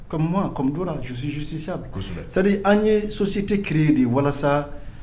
Comme moi, comme Dona, je suis justiciable . Kosɛbɛ! C'est à dire an ye société créée de walasa